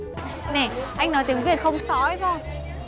nè anh nói tiếng việt không sõi không